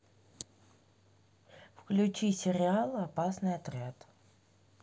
включи сериал опасный отряд